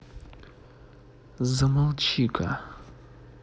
замолчи ка